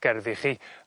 gerddi chi